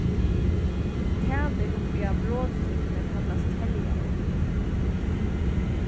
talið uppi á brotstrikuni kallast teljari